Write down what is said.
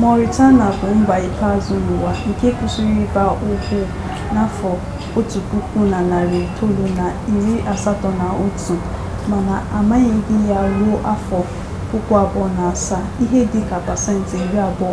Mauritania bụ mba ikpeazụ n'ụwa nke kwụsịrị ịgba ohu n'afọ 1981 mana a manyeghị ya ruo afọ 2007, ihe dị ka pasentị iri abụọ